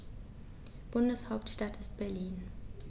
Bundeshauptstadt ist Berlin.